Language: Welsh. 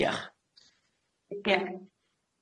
Diolch. Ie.